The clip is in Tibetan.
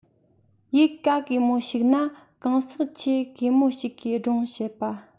ཡུལ ག གེ མོ ཞིག ན གང ཟག ཆེ གེ མོ ཞིག གིས སྒྲུང བཤད པ